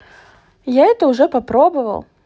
я это уже попробовал